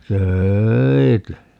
töitä